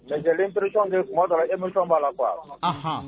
J'ai l'impression que tuma dɔw la émotion b'a la quoi